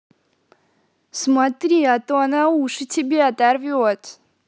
смотри а то она уши тебе оторвет